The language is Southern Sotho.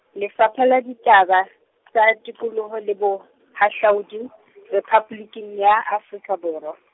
Lefapha la Ditaba, tsa Tikoloho le Bohahlaudi , Rephaboliki ya Afrika Borwa.